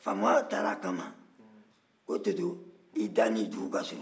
faama taara a kama ko toto i da ni dugu ka surun